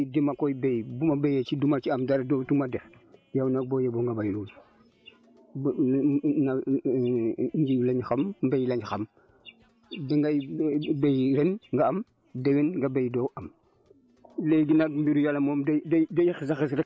boo waxee ne it lii dama koy béy bu ma béyee du ma ci am dara du du ma deqi loolu nag boo yeboo nga bàyyi ruuj njiw lañ xam mbéy laén xam dangay béy ren nga am déwén nga béy doo am